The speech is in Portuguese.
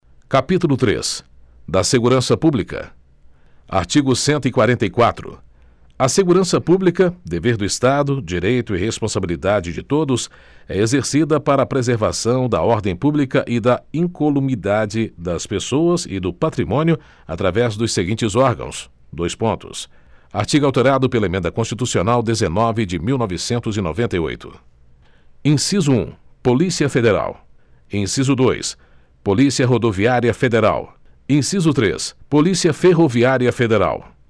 capítulo três da segurança pública artigo cento e quarenta e quatro a segurança pública dever do estado direito e responsabilidade de todos é exercida para a preservação da ordem pública e da incolumidade das pessoas e do patrimônio através dos seguintes órgãos dois pontos artigo alterado pela emenda constitucional dezenove de mil e novecentos e noventa e oito inciso um polícia federal inciso dois polícia rodoviária federal inciso três polícia ferroviária federal